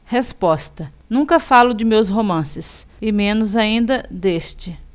resposta nunca falo de meus romances e menos ainda deste